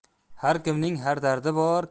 har kimning har dardi bor